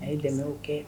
A ye dɛmɛ o kɛ